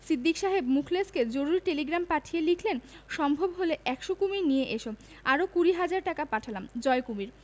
সিদ্দিক সাহেব মুখলেসকে জরুরী টেলিগ্রাম পাঠিয়ে লিখলেন সম্ভব হলে একশ কুমীর নিয়ে এসো আরো কুড়ি হাজার টাকা পাঠালাম জয় কুমীর